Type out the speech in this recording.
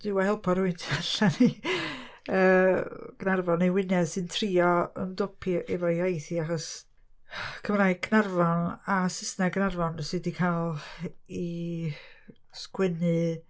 Duw a helpo rywun tu allan i yy Gaernarfon neu Wynedd sy'n trio ymdopi efo ei iaith hi achos Cymraeg Caernarfon a Saesneg Gaernarfon sy ;di cael ei sgwennu.